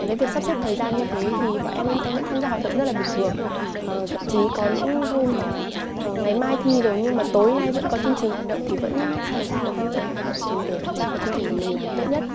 cái việc sắp xếp thời gian như thế thì bọn em em vẫn tham gia hoạt động rất là bình thường ờ thậm chí có những hôm mà ờ ngày mai thi rồi nhưng mà tối nay vẫn có chương trình hoạt động thì vẫn sẵn sàng tham gia hoạt động để làm sao cái chương trình của mình làm tốt nhất